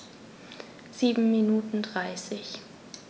7 Minuten 30